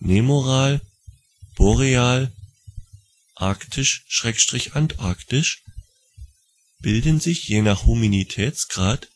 nemoral, boreal, arktisch/antarktisch) bilden sich je nach Humiditätsgrad